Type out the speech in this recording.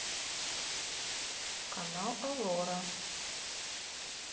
канал аврора